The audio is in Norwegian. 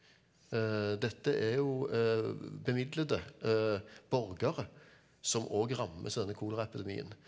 dette er jo bemidlede borgere som òg rammes av denne koleraepidemien.